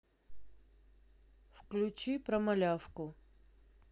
включи про малявку